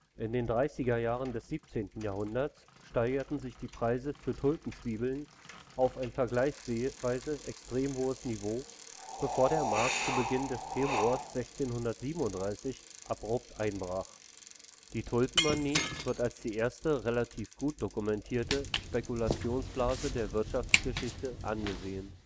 In den 30er Jahren des 17. Jahrhunderts steigerten sich die Preise für Tulpenzwiebeln auf ein vergleichsweise extrem hohes Niveau, bevor der Markt zu Beginn des Februars 1637 abrupt einbrach. Die Tulpenmanie wird als die erste relativ gut dokumentierte Spekulationsblase der Wirtschaftsgeschichte angesehen